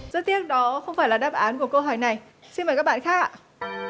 rất tiếc đó không phải là đáp án của câu hỏi này xin mời các bạn khác